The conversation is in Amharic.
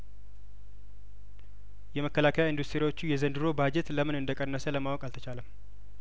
የመከላከያኢንዱስትሪዎቹ የዘንድሮ ባጀት ለምን እንደቀነሰ ለማወቅ አልተቻለም